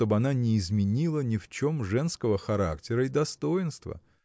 чтоб она не изменила ни в чем женского характера и достоинства.